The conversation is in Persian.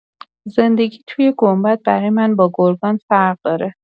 زندگی توی گنبد برای من با گرگان فرق داره.